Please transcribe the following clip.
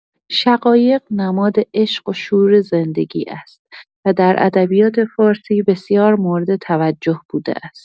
شقایق نماد عشق و شور زندگی است و در ادبیات فارسی بسیار مورد توجه بوده است.